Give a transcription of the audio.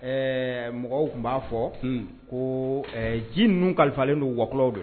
Ɛɛ mɔgɔw tun b'a fɔ ko ji ninnu kalifalen don wakɔw don